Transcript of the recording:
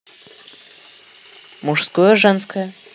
мужское женское